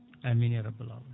amine ya rabbal alamina